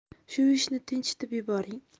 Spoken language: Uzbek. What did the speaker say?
shu ishni tinchitib yuboring